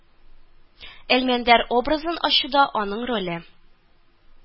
Әлмәндәр образын ачуда аның роле